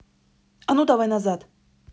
а ну давай назад